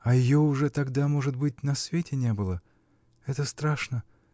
-- а ее уже тогда, может быть, на свете не было. Это страшно.